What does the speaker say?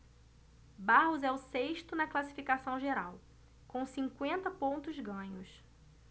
barros é o sexto na classificação geral com cinquenta pontos ganhos